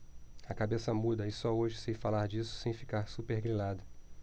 a cabeça muda e só hoje sei falar disso sem ficar supergrilada